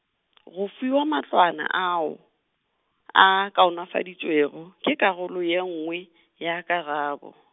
go fiwa matlwana ao, a kaonafaditšwego ke karolo ye nngwe, ya karabo.